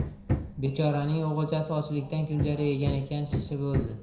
bechoraning o'g'ilchasi ochlikdan kunjara yegan ekan shishib o'ldi